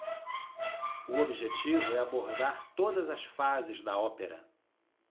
o objetivo é abordar todas as fases da ópera